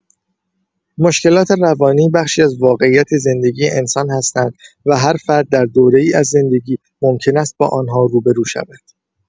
مشکلات روانی بخشی از واقعیت زندگی انسان هستند و هر فرد در دوره‌ای از زندگی ممکن است با آن‌ها روبه‌رو شود.